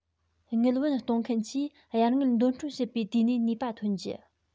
དངུལ བུན གཏོང མཁན གྱིས གཡར དངུལ འདོན སྤྲོད བྱེད པའི དུས ནས ནུས པ འཐོན རྒྱུ